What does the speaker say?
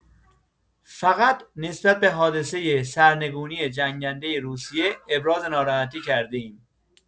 فقط نسبت به حادثه سرنگونی جنگنده روسیه ابراز ناراحتی کرده‌ایم.